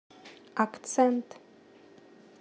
akcent